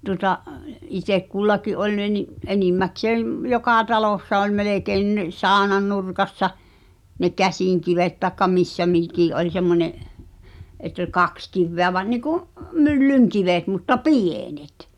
tuota itse kullakin oli ne niin enimmäkseen joka talossa oli melkein niin saunannurkassa ne käsinkivet tai missä mikin oli semmoinen että oli kaksi kiveä - niin kuin myllynkivet mutta pienet